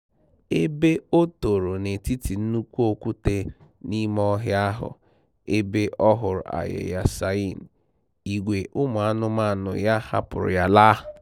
Ebe ọ tọrọ n'etiti nnukwu okwute n'ime ọhịa ahụ ebe a hụrụ Ayeyar Sein, ìgwè ụmụanụmanụ ya hapụrụ ya laa.